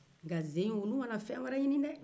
nka sen in oluw ma na fɛn wɛrɛ ɲini dɛɛ